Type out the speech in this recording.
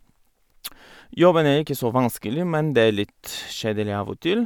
Jobben er ikke så vanskelig, men det er litt kjedelig av og til.